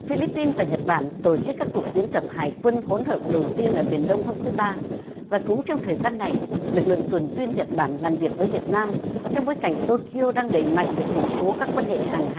phi líp pin và nhật bản tổ chức các cuộc diễn tập hải quân hỗn hợp đầu tiên ở biển đông hôm thứ ba và cũng trong thời gian này lực lượng tuần duyên nhật bản làm việc với việt nam trong bối cảnh tô ky ô đang đẩy mạnh việc củng cố các quan hệ hàng hải